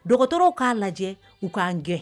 Dɔgɔtɔrɔw k'a lajɛ u k'an gɛn